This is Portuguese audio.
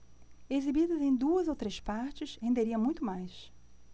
exibida em duas ou três partes renderia muito mais